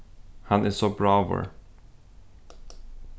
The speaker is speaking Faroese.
hann er so bráður